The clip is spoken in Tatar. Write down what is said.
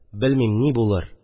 Белмим, ни булыр